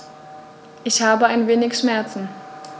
Ich habe ein wenig Schmerzen.